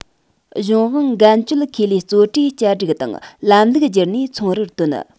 གཞུང དབང འགན བཅོལ ཁེ ལས གཙོ གྲས བསྐྱར སྒྲིག དང ལམ ལུགས བསྒྱུར ནས ཚོང རར བཏོན